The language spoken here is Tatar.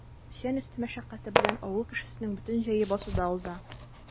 Печән өсте мәшәкате белән авыл кешесенең бөтен җәе басуда уза.